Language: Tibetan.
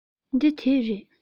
འདི དེབ རེད